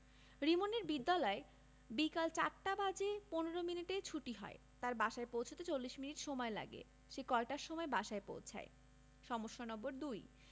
রিমনের বিদ্যালয় বিকাল ৪ টা বেজে ১৫ মিনিটে ছুটি হয় তার বাসায় পৌছাতে ৪০ মিনিট সময়লাগে সে কয়টার সময় বাসায় পৌছায় সমস্যা নম্বর ২